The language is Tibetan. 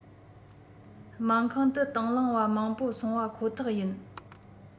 སྨན ཁང དུ དང བླངས པ མང པོ སོང བ ཁོ ཐག ཡིན